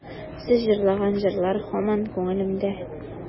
Сез җырлаган җырлар һаман күңелемдә.